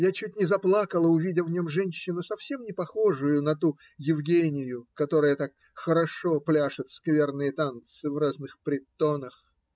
Я чуть не заплакала, увидя в нем женщину, совсем не похожую на ту Евгению, которая так "хорошо" пляшет скверные танцы в разных притонах.